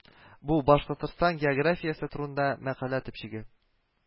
Бу Башкортстан географиясе турында мәкалә төпчеге